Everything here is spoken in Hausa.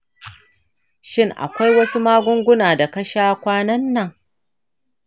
shin akwai wasu magunguna da ka sha kwanan nan